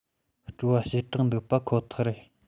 སྤྲོ བ ཞེ དྲག འདུག པ ཁོ ཐག རེད